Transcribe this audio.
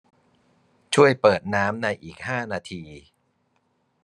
ช่วยเปิดน้ำในอีกห้านาที